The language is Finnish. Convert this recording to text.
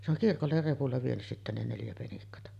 se on kirkolle repulla vienyt sitten ne neljä penikkaa